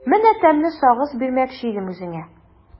Менә тәмле сагыз бирмәкче идем үзеңә.